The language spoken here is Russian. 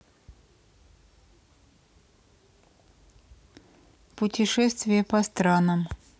путешествие по странам